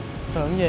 tưởng gì